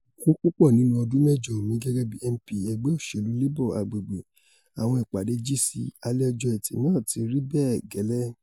Fún púpọ̀ nínú ọdún mẹ́jọ mi gẹ́gẹ́bí MP ẹgbẹ́ òṣèlú Labour agbègbè, àwọn ìpàdé GC àlẹ́ ọjọ́ Ẹtì náà ti rí bẹ́ẹ̀ gẹ́lẹ́.